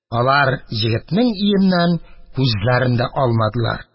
Алар егетнең өеннән күзләрен дә алмадылар.